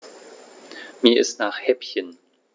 Mir ist nach Häppchen.